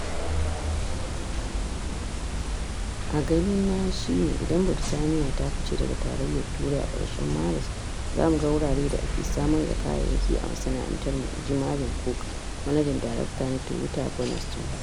“A gani na shi ne idan Britaniya ta fice daga Tarayyar Turai a ƙarshen Maris za mu ga wuraren da ake samar da kayayyaki a masana'antarmu," in ji Marvin Cooke, Manajan Darakta na Toyota a Burnaston.